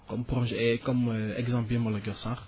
comme projet comme exemple yi ma la jox sànq